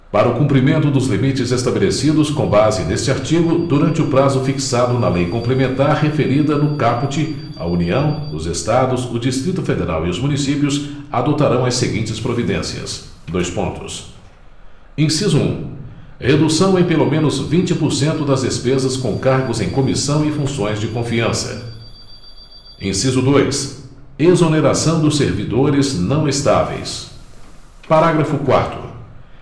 para o cumprimento dos limites estabelecidos com base neste artigo durante o prazo fixado na lei complementar referida no caput a união os estados o distrito federal e os municípios adotarão as seguintes providências dois pontos inciso um redução em pelo menos vinte por cento das despesas com cargos em comissão e funções de confiança inciso dois exoneração dos servidores não estáveis parágrafo quarto